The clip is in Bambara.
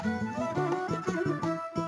San